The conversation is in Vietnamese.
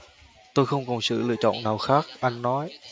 tôi không còn sự lựa chọn nào khác anh nói